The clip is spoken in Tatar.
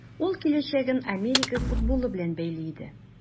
Ул киләчәген Америка футболы белән бәйли иде.